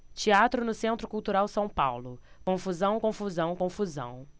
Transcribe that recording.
teatro no centro cultural são paulo confusão confusão confusão